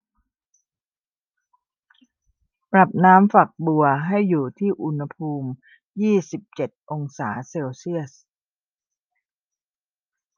ปรับน้ำฝักบัวให้อยู่ที่อุณหภูมิยี่สิบเจ็ดองศาเซลเซียส